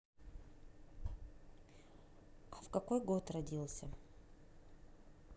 а в какой год родился